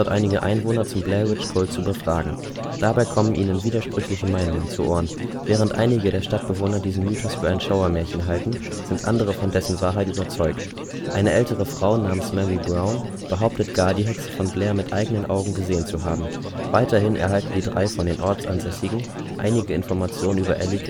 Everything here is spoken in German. einige Einwohner zum Blair-Witch-Kult zu befragen. Dabei kommen ihnen widersprüchliche Meinungen zu Ohren. Während einige der Stadtbewohner diesen Mythos für ein Schauermärchen halten, sind andere von dessen Wahrheit überzeugt. Eine ältere Frau namens Mary Brown behauptet gar, die Hexe von Blair mit eigenen Augen gesehen zu haben. Weiterhin erhalten die drei von den Ortsansässigen einige Informationen über Elly